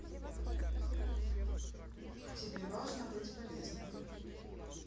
тебе важно быть полезным